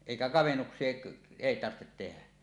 eikä kavennuksia ei tarvitse tehdä